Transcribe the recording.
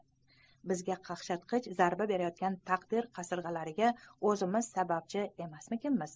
bizga qaqshatqich zarba berayotgan taqdir qasirg'alariga o'zimiz sababchi emasmikanmiz